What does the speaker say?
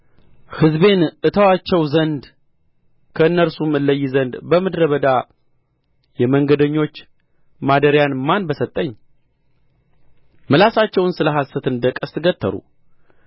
ሕዝቤን እተዋቸው ዘንድ ከእነርሱም እለይ ዘንድ በምድረ በዳ የመንገደኞች ማደሪያን ማን በሰጠኝ ምላሳቸውን ስለ ሐሰት እንደ ቀስት ገተሩ